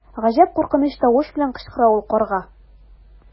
Гаҗәп куркыныч тавыш белән кычкыра ул карга.